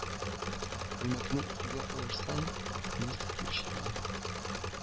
Күлмәкне икегә аерсаң, нәрсә килеп чыга